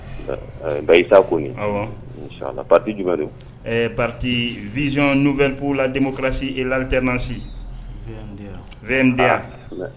Bayisa Kɔnɛ, awɔ, in sha Allah parti jumɛn don ? Ɛ parti vision nouvelle pour la démocratie et l'alternance VNDA ɛ